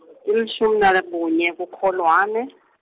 Tilishumi nakunye kuKholwane .